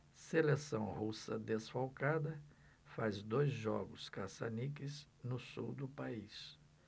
seleção russa desfalcada faz dois jogos caça-níqueis no sul do país